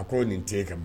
A ko' nin t tɛ ka